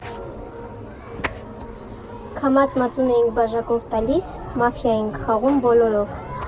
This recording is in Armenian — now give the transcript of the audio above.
Քամած մածուն էինք բաժակով տալիս, մաֆիա էինք խաղում բոլորով։